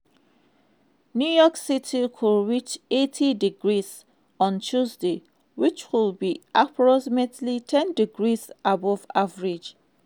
New York City could reach 80 degrees on Tuesday, which would be approximately 10 degrees above average.